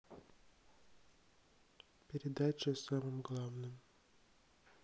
передача о самом главном